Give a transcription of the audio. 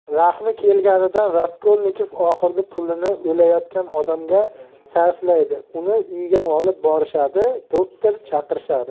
rahmi kelganidan raskolnikov oxirgi pulini o'layotgan odamga sarflaydi uni uyga olib borishadi doktor chaqirishadi